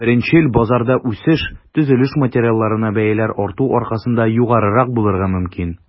Беренчел базарда үсеш төзелеш материалларына бәяләр арту аркасында югарырак булырга мөмкин.